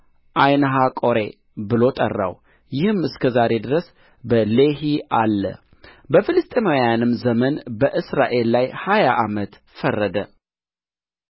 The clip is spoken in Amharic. ዓይንሀቆሬ ብሎ ጠራው ይህም እስከ ዛሬ ድረስ በሌሒ አለ በፍልስጥኤማውያንም ዘመን በእስራኤል ላይ ሀያ ዓመት ፈረደ